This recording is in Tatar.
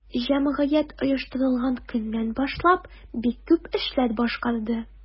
Җәмгыять оештырылган көннән башлап бик күп эшләр башкарды.